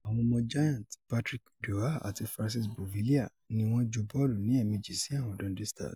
Àwọn ọmọ Giants, Patrick Dwyer àti Francis Beauvillier, ni wọ́n ju bọ́ọ̀lù ní èẹ̀mejì sí àwọ̀n Dundee Stars.